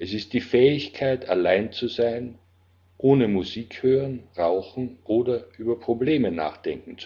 Es ist die Fähigkeit, allein zu sein, ohne Musik hören, zu rauchen oder über Probleme nachdenken